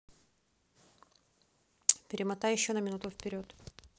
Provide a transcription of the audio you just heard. перемотай еще на минуту вперед